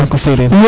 Mbako sereer